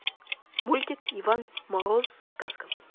мультик иван мороз сказка